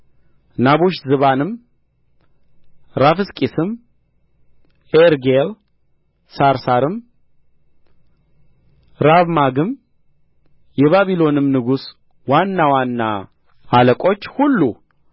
ናቡሽዝባንም ራፋስቂስም ኤርጌል ሳራስርም ራብማግም የባቢሎንም ንጉሥ ዋና ዋና አለቆች ሁሉ